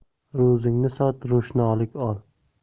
ro'zingni sot ro'shnolik ol